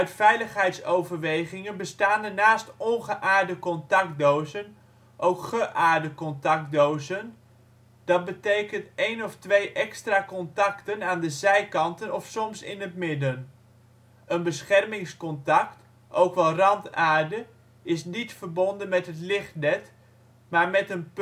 veiligheidsoverwegingen bestaan er naast ongeaarde contactdozen ook geaarde contactdozen. Dat betekent een of twee extra contacten aan de zijkanten of soms in het midden. Een beschermingscontact (ook wel randaarde) is niet verbonden met het lichtnet maar met een